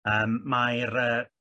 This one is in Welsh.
Yy mae'r yy